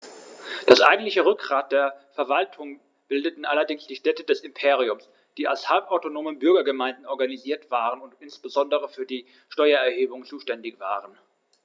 Das eigentliche Rückgrat der Verwaltung bildeten allerdings die Städte des Imperiums, die als halbautonome Bürgergemeinden organisiert waren und insbesondere für die Steuererhebung zuständig waren.